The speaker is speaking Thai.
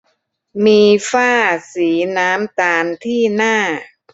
มีฝ้าสีน้ำตาลที่หน้า